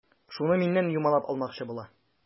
Шуны миннән юмалап алмакчы була.